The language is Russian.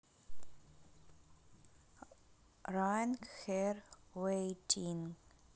right here waiting